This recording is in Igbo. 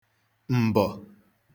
m̀bọ̀